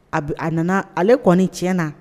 A bɛ, a nana, ale kɔni tiɲɛ na